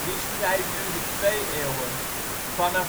Die strijd duurde twee eeuwen. Vanaf